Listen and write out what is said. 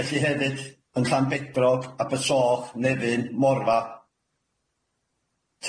Felly hefyd yn Llanbedrog, Abyssog, Nefyn, Morfa.